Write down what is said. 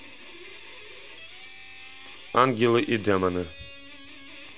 ангелы и демоны